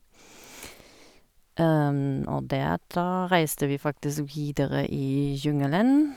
Og deretter reiste vi faktisk videre i jungelen.